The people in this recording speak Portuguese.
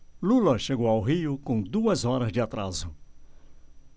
lula chegou ao rio com duas horas de atraso